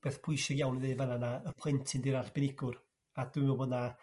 beth pwysig iawn i dd'eu' fan yna y plentyn 'di'r arbenigwr a dwi'n me'wl bo' 'na